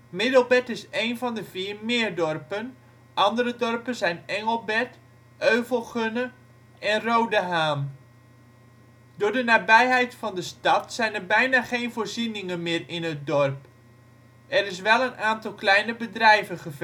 Middelbert is een van de vier MEER-dorpen, andere dorpen zijn Engelbert, Euvelgunne en Roodehaan. Door de nabijheid van de stad zijn er bijna geen voorzieningen meer in het dorp. Er is wel een aantal kleine bedrijven